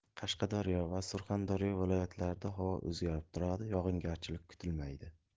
qashqadaryo va surxondaryo viloyatlarida havo o'zgarib turadi yog'ingarchilik kutilmaydi